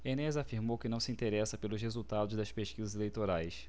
enéas afirmou que não se interessa pelos resultados das pesquisas eleitorais